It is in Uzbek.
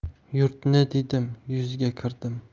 yurtni dedim yuzga kirdim